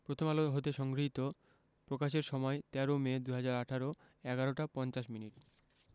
প্রথম আলো হতে সংগৃহীত প্রকাশের সময় ১৩ মে ২০১৮ ১১ টা ৫০ মিনিট